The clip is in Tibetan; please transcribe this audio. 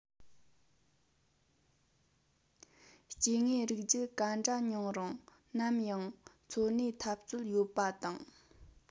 སྐྱེ དངོས རིགས རྒྱུད ག འདྲ ཉུང རུང ནམ ཡང འཚོ གནས འཐབ རྩོད ཡོད པ དང